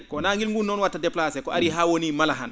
ko wonaa ngilngu nguu noon wa?ata déplacé ko arii haa wonii mala han